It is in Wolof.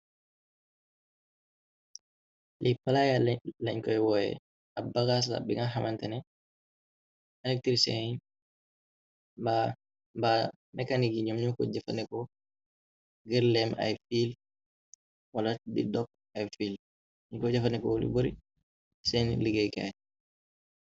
Li palaya lañ koy wooye ab bagaasla bi nga xamantane elektriseen ba mekanik yi ñoom ño ko jafaneko gër leem ay fiil wala di dopp ay fil ñi ko jafaneko lu bari seen liggéeykaay.